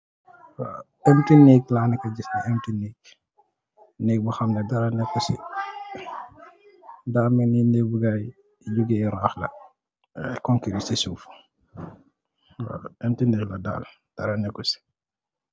Emti neek laa neekë di gis, emti neek, neek boo xam ne, dara neekut si. Da mel ni, neek bu gaayi jogee tax la. Coonkirik ci suuf. Emti neek la daal, dara neekut si.